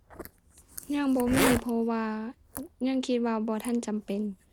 ยังบ่มี เพราะว่ายังคิดว่าบ่ทันจำเป็น